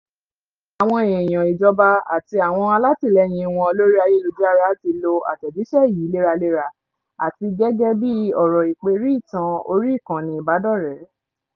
Àwọn èèyàn ìjọba àti àwọn alátìlẹyìn wọn lórí ayélujára ti lo àtẹ̀jíṣẹ́ yìí léraléra, àti gẹ́gẹ́ bíi ọ̀rọ̀ ìpèrí ìtàn orí ìkànnì ìbánidọ́rẹ̀ẹ́.